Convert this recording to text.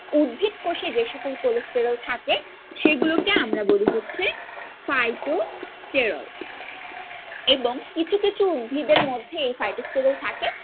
উদ্ভিদ কোষে যেসকল কোলেস্টেরল থাকে সে গুলোকে আমরা বলি হচ্ছে ফাইটোস্টেরল এবং কিছু কিছু উদ্ভিদ এর মধ্যে এই ফাইটোস্টেরল থাকে